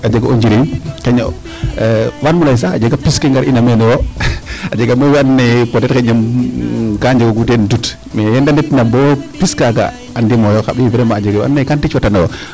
a jega o njiriñ xanj na waan mo ley sax a jega pis ke ngar ina meenoyo a jega mayu wee and naye xaƴna ga anjego kuyo teenoyo doute mais yeen de ndet na boo pis kaaga a ndimoyo xa ɓiy vraiment a jega waa ando naye gaa ndicwa tanoyo